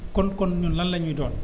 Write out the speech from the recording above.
kon kon ñun lan la ñuy doon